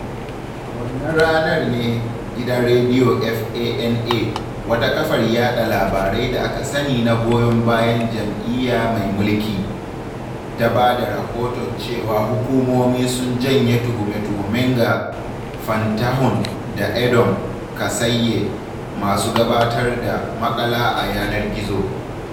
A wannan ranar ne gidan Radio FANA, wata kafar yaɗa labarai da aka sani na goyon bayan jam’iyya mai mulki, ta ba da rahoton cewa hukumomi sun janye tuhume-tuhumen ga Fantahun da Edom Kassaye, masu gabatar da maƙala a yanar gizo.